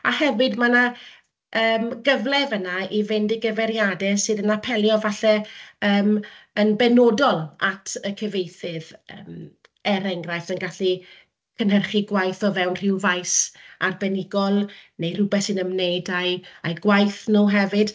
A hefyd ma' 'na yym gyfle fanna i fynd i gyfeiriadau sydd yn apelio falle yym yn benodol at y cyfieithydd, yym er enghraifft yn gallu cynhyrchu gwaith o fewn rhyw faes arbenigol neu rywbeth sy'n ymwneud â'u â'u gwaith nhw hefyd.